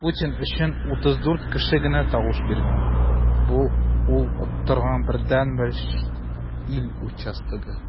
Путин өчен 34 кеше генә тавыш биргән - бу ул оттырган бердәнбер чит ил участогы.